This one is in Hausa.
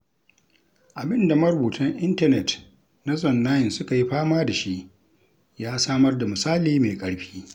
Abin da marubutan intanet na Zone9 suka yi fama da shi ya samar da misali mai ƙarfi.